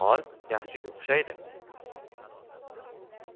ol yaxshiga o'xshaydi